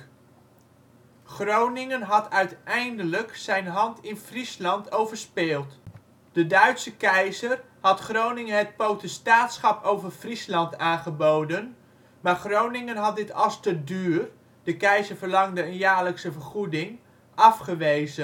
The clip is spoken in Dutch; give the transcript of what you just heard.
Groningen had uiteindelijk zijn hand in Friesland overspeeld. De Duitse keizer had Groningen het potestaatschap over Friesland aangeboden, maar Groningen had dit als te duur (de keizer verlangde een jaarlijkse vergoeding) afgewezen. De